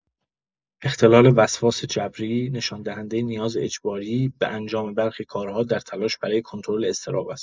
اختلال وسواس جبری نشان‌دهنده نیاز اجباری به انجام برخی کارها در تلاش برای کنترل اضطراب است.